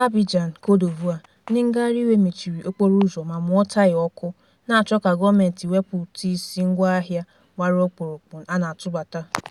N'Abidjan, Cote d'Ivoire, ndị ngagharị iwe mechiri okporo ụzọ ma mụọ taya ọkụ, na-achọ ka gọọmentị wepụ ụtọ ịsị ngwa ahịa gbara ọkpọrụkpụ a na-atụbata.